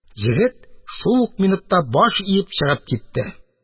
Егет шул ук минутта баш иеп чыгып китте.